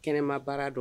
Kɛnɛma baara dɔn